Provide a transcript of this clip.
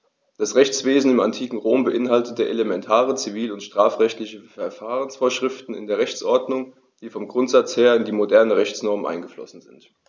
Das Rechtswesen im antiken Rom beinhaltete elementare zivil- und strafrechtliche Verfahrensvorschriften in der Rechtsordnung, die vom Grundsatz her in die modernen Rechtsnormen eingeflossen sind.